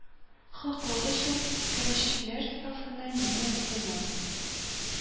Хаклык өчен көрәшчеләр сафында м и н е м урыным